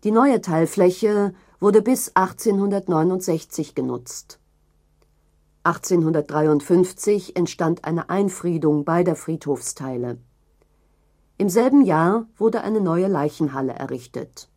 neue Teilfläche wurde bis 1869 genutzt.1853 entstand eine Einfriedung beider Friedhofsteile. Im selben Jahr wurde eine neue Leichenhalle errichtet